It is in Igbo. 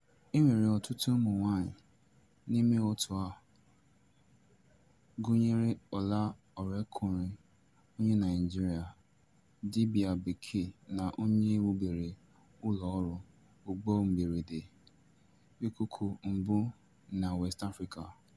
E nwere ọtụtụ ụmụnwaanyị n'ime òtù a, gụnyere Ola Orekunrin onye Naịjirịa, dibịa bekee na onye wubere ụlọọrụ ụgbọmberede ikuku mbụ na West Africa.